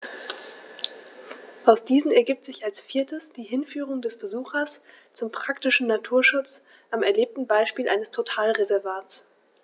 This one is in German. Aus diesen ergibt sich als viertes die Hinführung des Besuchers zum praktischen Naturschutz am erlebten Beispiel eines Totalreservats.